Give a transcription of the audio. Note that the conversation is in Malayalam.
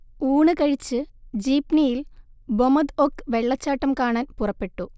ഊണ് കഴിച്ച് ജീപ്നിയിൽ ബൊമൊദ്-ഒക് വെള്ളച്ചാട്ടം കാണാൻ പുറപ്പെട്ടു